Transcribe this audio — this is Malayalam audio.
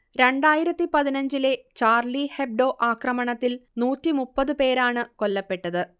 രണ്ടായിരത്തി പതിനഞ്ചിലെ ചാർളി ഹെബ്ഡോ ആക്രമണത്തിൽ നൂറ്റി മുപ്പത് പേരാണ് കൊല്ലപ്പെട്ടത്